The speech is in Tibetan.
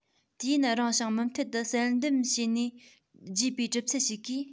དུས ཡུན རིང ཞིང མུ མཐུད དུ བསལ འདེམས བྱས ནས རྒྱས པའི གྲུབ ཚུལ ཞིག གིས